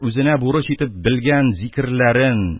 Үзенә бурыч итеп белгән зикерләрен